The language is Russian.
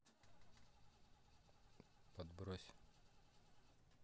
подбрось